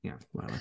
Ie, whatever.